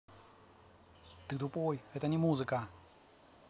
ты тупой это не музыка